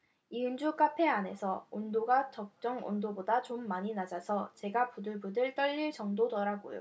이은주 카페 안에 온도가 적정 온도보다 좀 많이 낮아서 제가 부들부들 떨릴 정도더라고요